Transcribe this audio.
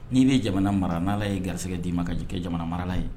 N'i bɛ jamana mara n' ye garisɛgɛ d'i ma ka kɛ jamana marala ye